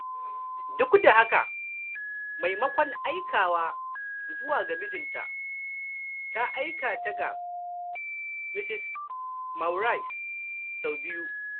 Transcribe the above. Duk da haka, maimakon aikawa zuwa ga mijinta, ta aika ta ga Ms. Maurice, sau biyu.